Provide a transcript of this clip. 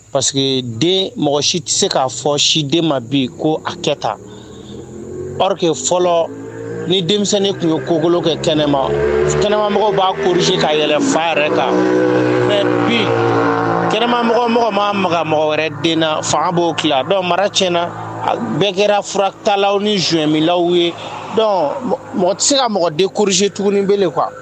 Pa den mɔgɔ si tɛ se k'a fɔ si den ma bi ko a kɛ taake fɔlɔ ni denmisɛnnin tun ye kokolo kɛ kɛnɛma kɛnɛmamɔgɔ b'a kurusi k ka yɛlɛ yɛrɛ kan mɛ bi kɛnɛma mɔgɔmɔgɔ ma ma mɔgɔ wɛrɛ den na fan b'o a dɔn mara tiɲɛna bɛɛ kɛra furatalaw ni zlaw ye mɔgɔ tɛ se ka mɔgɔden kurusi tuguni bɛ kuwa